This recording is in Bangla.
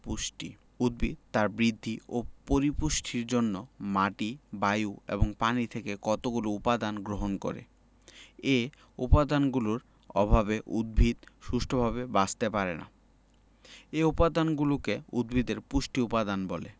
পুষ্টি উদ্ভিদ তার বৃদ্ধি ও পরিপুষ্টির জন্য মাটি বায়ু এবং পানি থেকে কতগুলো উপদান গ্রহণ করে এ উপাদানগুলোর অভাবে উদ্ভিদ সুষ্ঠুভাবে বাঁচতে পারে না এ উপাদানগুলোকে উদ্ভিদের পুষ্টি উপাদান বলে